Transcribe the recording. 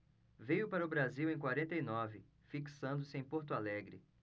veio para o brasil em quarenta e nove fixando-se em porto alegre